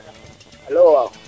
alo wa